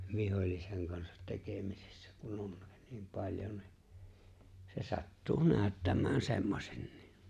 vihollisen kanssa tekemisissä kun on niin paljon niin se sattuu näyttämään semmoisenkin